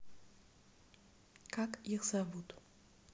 как их зовут